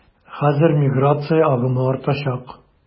Хәзер миграция агымы артачак.